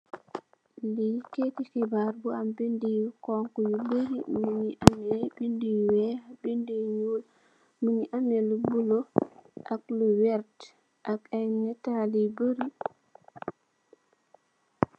Lii kayiti xibaar bu am ay bindë yu bari, mu ngi amee, bindë yu weex, bindë yu ñuul, mu amee lu bulo, ak lu werta, ak ay nataal yu bari.